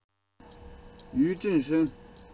ཡུས ཀྲེང ཧྲེང